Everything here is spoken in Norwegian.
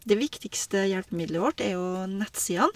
Det viktigste hjelpemiddelet vårt er jo nettsidene.